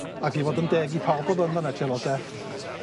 Ag i fod yn deg i pawb o'dd yn y 'de